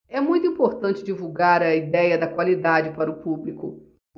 é muito importante divulgar a idéia da qualidade para o público